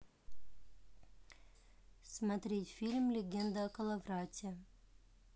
смотреть фильм легенда о коловрате